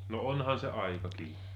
no onhan se aikakin